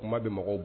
Kuma be mɔgɔw